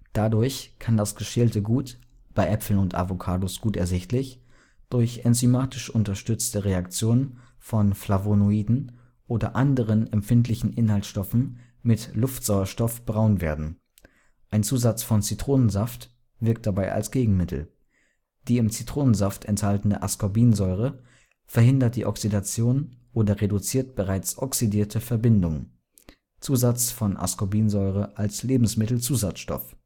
Dadurch kann das geschälte Gut (bei Äpfeln und Avocados gut ersichtlich) durch enzymatisch unterstützte Reaktion von Flavonoiden oder anderen empfindlichen Inhaltsstoffen mit Luftsauerstoff braun werden. Ein Zusatz von Zitronensaft wirkt dabei als Gegenmittel. Die im Zitronensaft enthaltene Ascorbinsäure verhindert die Oxidation oder reduziert bereits oxidierte Verbindungen (Zusatz von Ascorbinsäure als Lebensmittelzusatzstoff